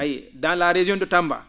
a yiyii dans la région de Tamba